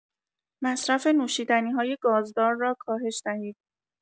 مصرف نوشیدنی‌های گازدار را کاهش دهید.